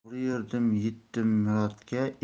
to'g'ri yurdim yetdim murodga